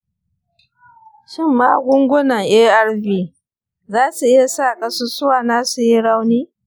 shin magungunan arv za su iya sa ƙasusuwana su yi rauni?